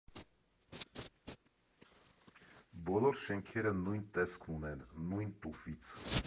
Բոլոր շենքերը նույն տեսքն ունեն՝ նույն տուֆից։